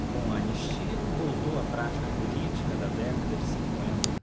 com a anistia voltou a prática política da década de cinquenta